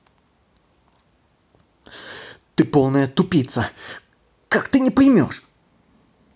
ты полная тупица как ты не поймешь